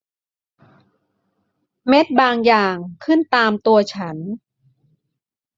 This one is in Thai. เม็ดบางอย่างขึ้นตามตัวฉัน